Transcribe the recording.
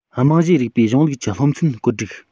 རྨང གཞིའི རིགས པའི གཞུང ལུགས ཀྱི སློབ ཚན བཀོད སྒྲིག